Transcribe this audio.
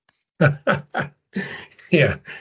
Ia!